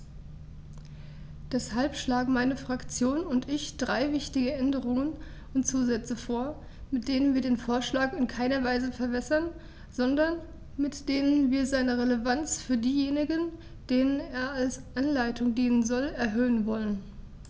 Deshalb schlagen meine Fraktion und ich drei wichtige Änderungen und Zusätze vor, mit denen wir den Vorschlag in keiner Weise verwässern, sondern mit denen wir seine Relevanz für diejenigen, denen er als Anleitung dienen soll, erhöhen wollen.